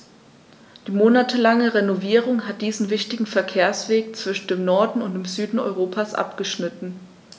Die monatelange Renovierung hat diesen wichtigen Verkehrsweg zwischen dem Norden und dem Süden Europas abgeschnitten.